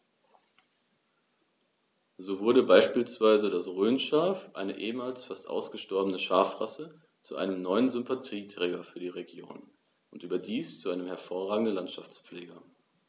So wurde beispielsweise das Rhönschaf, eine ehemals fast ausgestorbene Schafrasse, zu einem neuen Sympathieträger für die Region – und überdies zu einem hervorragenden Landschaftspfleger.